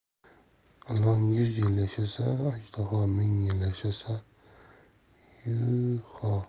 ilon yuz yil yashasa ajdaho ming yil yashasa yuho